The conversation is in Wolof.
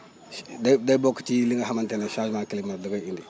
day day bokk ci li nga xamante ne changement climat bi da koy indi